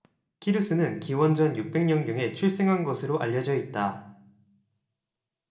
키루스는 기원전 육백 년경에 출생한 것으로 알려져 있다